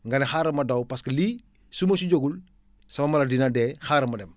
nga ne xaaral ma daw parce que lii su ma si jógul sama mala dina dee xaaral ma dem